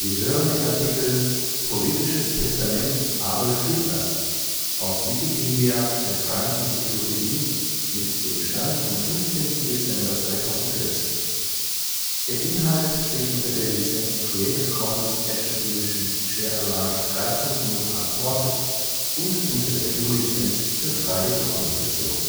hören den Artikel Politisches Testament Adolf Hitlers, aus Wikipedia, der freien Enzyklopädie. Mit dem Stand vom Der Inhalt steht unter der Lizenz Creative Commons Attribution Share Alike 3 Punkt 0 Unported und unter der GNU Lizenz für freie Dokumentation